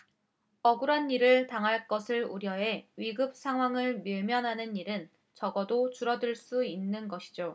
억울한 일을 당할 것을 우려해 위급상황을 외면하는 일은 적어도 줄어들 수 있는 것이죠